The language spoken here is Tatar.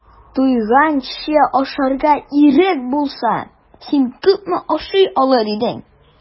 Туйганчы ашарга ирек булса, син күпме ашый алыр идең?